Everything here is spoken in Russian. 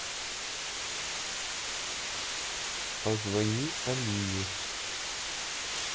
позвони алине